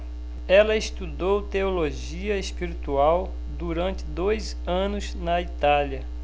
ela estudou teologia espiritual durante dois anos na itália